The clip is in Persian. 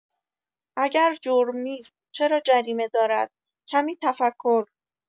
اگر جرم نیست چرا جریمه دارد کمی تفکر